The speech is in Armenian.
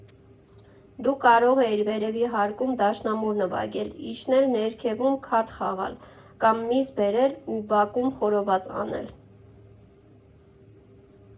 Դու կարող էիր վերևի հարկում դաշնամուր նվագել, իջնել ներքևում քարտ խաղալ, կամ միս բերել ու բակում խորոված անել։